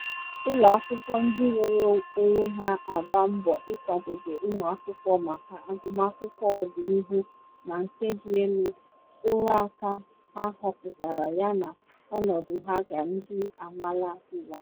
Ụlọ akwụkwọ ndị nnwere onwe na agba mbọ ịkwadobe ụmụ akwụkwọ maka agụmakwụkwọ ọdịnihu na nke dị elu, ọrụaka ha họpụtara yana ọnọdụ ha ka ndị amaala ụwa.